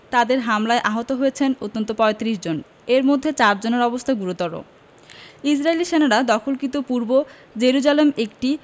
তাদের হামলায় আহত হয়েছেন অন্তত ৩৫ জন এর মধ্যে চার জনের অবস্থা গুরুত্বর ইসরাইলি সেনারা দখলীকৃত পূর্ব জেরুজালেম একটি